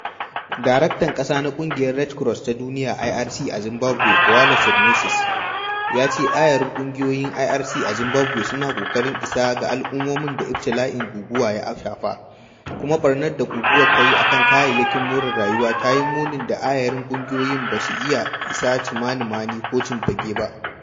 Daraktan ƙasa na ƙungiyar Red Cross ta Duniya (IRC) a Zimbabwe, Paolo Cernuschi, ya ce ayarin ƙungiyoyin IRC a Zimbabwe suna ƙoƙarin isa ga al’ummomin da ibtila'in guguwar ya shafa, kuma ɓarnar da guguwar tayi akan kayayyakin more rayuwa ta yi munin da ayarin ƙungiyoyin ba za su iya isa Chimanimani ko Chipinge ba.